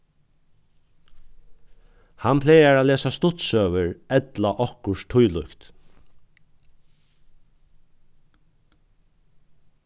hann plagar at lesa stuttsøgur ella okkurt tílíkt